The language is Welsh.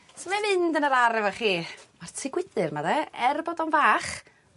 Su' mae'n mynd yn yr ar' efo chi? Ma'r tŷ gwydyr ma' fe er bod o'n bach